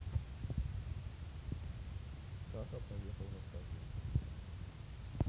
каха поехал в абхазию